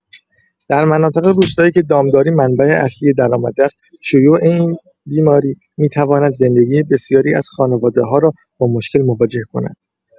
در مناطق روستایی که دامداری منبع اصلی درآمد است، شیوع این بیماری می‌تواند زندگی بسیاری از خانواده‌ها را با مشکل مواجه کند.